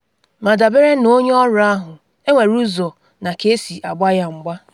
Ma, dabere na onye ọrụ ahụ, enwere ụzọ na ka-esi agba ya mgba.